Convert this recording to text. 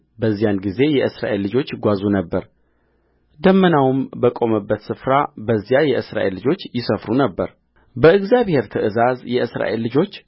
በዚያን ጊዜ የእስራኤል ልጆች ይጓዙ ነበር ደመናውም በቆመበት ስፍራ በዚያ የእስራኤል ልጆች ይሰፍሩ ነበርበእግዚአብሔር ትእዛዝ የእስራኤል ልጆች